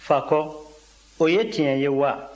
fako o ye tiɲɛ ye wa